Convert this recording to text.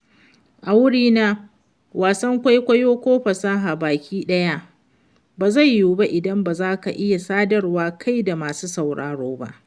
A wurina, wasan kwaikwayo ko fasaha baki ɗaya ba zai yiwu ba idan ba za ka iya sadarwa kai da masu sauraranka ba.